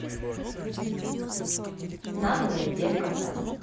наглая девка то